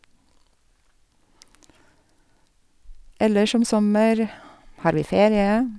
Ellers om sommer har vi ferie.